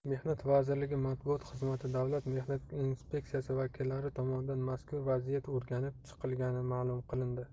mehnat vazirligi matbuot xizmati davlat mehnat inspeksiyasi vakillari tomonidan mazkur vaziyat o'rganib chiqilganini ma'lum qildi